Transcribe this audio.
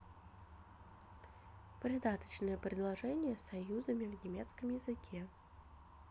придаточные предложения союзами в немецком языке